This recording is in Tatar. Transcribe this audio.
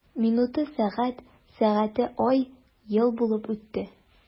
Минуты— сәгать, сәгате— ай, ел булып үтте.